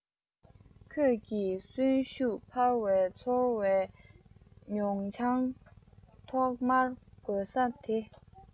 ཁྱོད ཀྱིས གསོན ཤུགས འཕར བའི ཚོར བའི མྱོང བྱང ཐོག མར དགོད ས དེ